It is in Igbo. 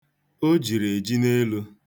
O jiri eji n'elu.